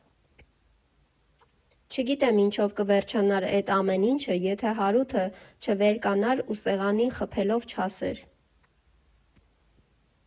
Չգիտեմ ինչով կվերջանար էդ ամեն ինչը, եթե Հարութը չվերկանար ու սեղանին խփելով չասեր.